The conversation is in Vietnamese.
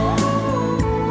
sớm